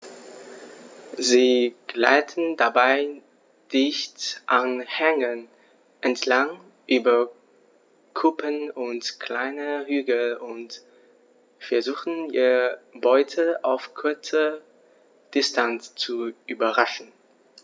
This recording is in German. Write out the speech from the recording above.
Sie gleiten dabei dicht an Hängen entlang, über Kuppen und kleine Hügel und versuchen ihre Beute auf kurze Distanz zu überraschen.